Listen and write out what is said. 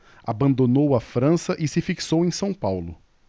abandonou a frança e se fixou em são paulo